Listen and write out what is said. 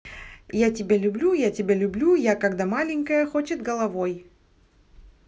я тебя люблю я тебя люблю я когда маленькая хочет головой